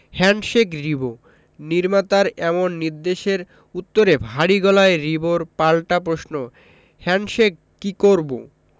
handshake Ribo নির্মাতার এমন নির্দেশের উত্তরে ভারী গলায় রিবোর পাল্টা প্রশ্ন হ্যান্ডশেক কি করবো